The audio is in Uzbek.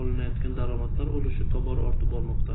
olinayotgan daromadlar ulushi tobora ortib bormoqda